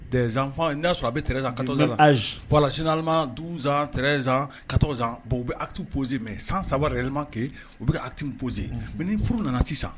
Zfa in n y'a sɔrɔ a bɛ zdazla zan ka bɔn u bɛ akiti poze mɛ san sabalilima ke u bɛ akiti ppze mini furu nana sisan